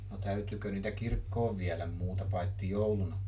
no täytyikö niitä kirkkoon viedä muuta paitsi jouluna